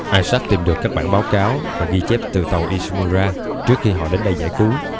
isaac tìm được các bản báo cáo và ghi chép từ tài ishimura trước khi họ đến đây giải cứu